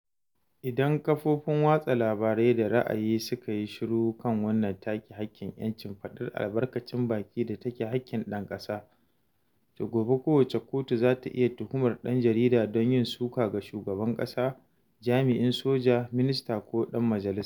Idan kafofin watsa labarai da ra’ayi suka yi shiru kan wannan take hakkin ‘yancin faɗar albarkacin baki da take hakkin ɗan ƙasa, to gobe kowace kotu za ta iya tuhumar ɗan jarida don yin suka ga shugaban kasa, jami’in soja, minista ko ɗan majalisa.